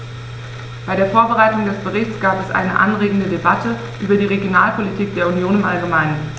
Bei der Vorbereitung des Berichts gab es eine anregende Debatte über die Regionalpolitik der Union im allgemeinen.